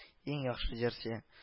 Иң яхшы җырчы